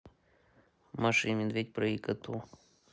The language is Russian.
маша и медведь про икоту